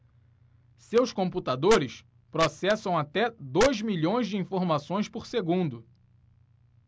seus computadores processam até dois milhões de informações por segundo